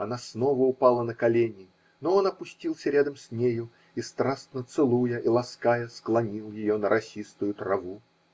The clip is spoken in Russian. Она снова упала на колени, но он опустился рядом с нею и, страстно целуя и лаская, склонил ее на росистую траву.